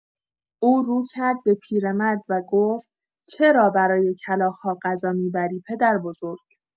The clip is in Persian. او رو کرد به پیرمرد و گفت: «چرا برای کلاغ‌ها غذا می‌بری پدربزرگ؟»